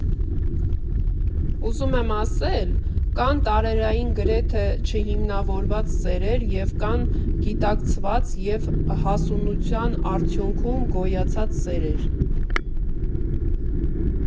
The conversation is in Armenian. Ուզում եմ ասել՝ կան տարերային, գրեթե չհիմնավորված սերեր և կան գիտակցված և հասունության արդյունքում գոյացած սերեր։